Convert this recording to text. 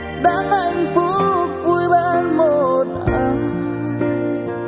đang hạnh phúc vui bên một ai